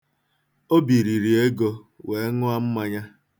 O biriri ego wee ṅụọ mmanya.